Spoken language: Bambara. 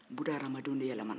buna hadamadenw de yɛlɛmana